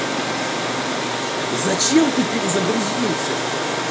зачем ты перегрузился